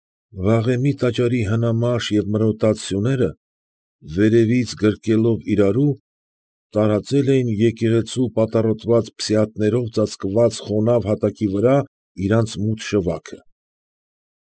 Վաղեմի տաճարի հնամաշ և մրոտած սյուները, վերևից գրկելով իրարու, տարածել էին եկեղեցու պատառոտված փսիաթներով ծածկված խոնավ հատակի վրա իրանց մութ շվաքը։